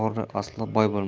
o'g'ri aslo boy bo'lmas